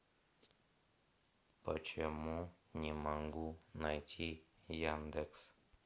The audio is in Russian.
почему не могу найти яндекс